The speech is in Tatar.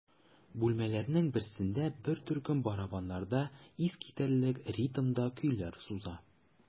Бүлмәләрнең берсендә бер төркем барабаннарда искитәрлек ритмда көйләр суза.